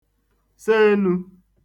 se enu